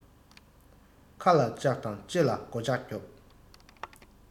ཁ ལ ལྕགས དང ལྕེ ལ སྒོ ལྩགས རྒྱོབ